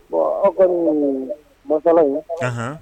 Bon aw kɔni ye ne ɲinika masala in na anhan